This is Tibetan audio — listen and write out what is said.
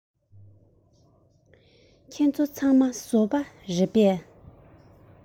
ཁྱེད ཚོ ཚང མ བཟོ པ རེད པས